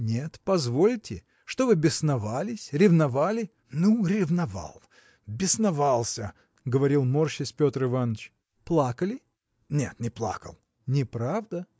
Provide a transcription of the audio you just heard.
– Нет, позвольте, что вы бесновались, ревновали? – Ну, ревновал, бесновался. – говорил, морщась, Петр Иваныч. – Плакали? – Нет, не плакал. – Неправда!